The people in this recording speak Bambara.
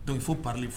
Dɔnku fo palen fɔ